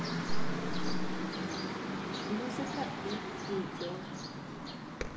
музыка и видео